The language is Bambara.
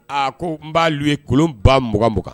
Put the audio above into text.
A ko n b'a louer kolon ba mugan mugan